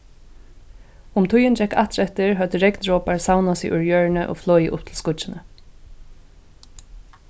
um tíðin gekk aftureftir høvdu regndropar savnað seg úr jørðini og flogið upp til skýggini